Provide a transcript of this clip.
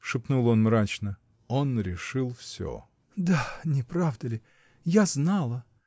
— шепнул он мрачно, — он решил всё!. — Да, не правда ли? я знала!